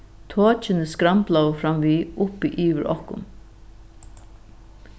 tokini skramblaðu framvið uppi yvir okkum